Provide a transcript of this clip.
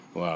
waaw